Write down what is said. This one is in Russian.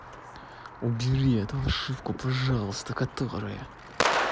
убери эту ошибку пожалуйста которые